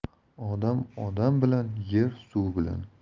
odam odam bilan yer suv bilan